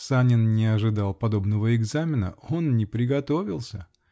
Санин не ожидал подобного экзамена: он не приготовился.